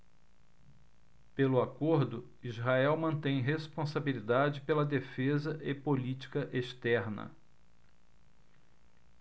pelo acordo israel mantém responsabilidade pela defesa e política externa